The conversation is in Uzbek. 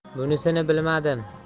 bunisini bilmadim